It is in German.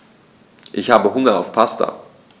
Ich habe Hunger auf Pasta.